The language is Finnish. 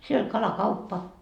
siellä oli kalakauppa